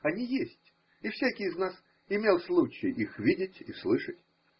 Они есть, и всякий из нас имел случай их видеть и слышать.